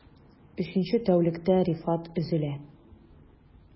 Өченче тәүлектә Рифат өзелә...